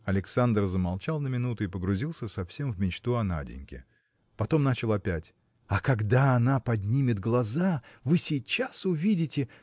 Александр замолчал на минуту и погрузился совсем в мечту о Наденьке. Потом начал опять – А когда она поднимет глаза вы сейчас увидите